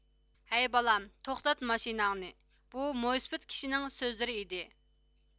ھەي بالام توختات ماشىناڭنى بۇ مويسىپىت كىشىنىڭ سۆزلىرى ئىدى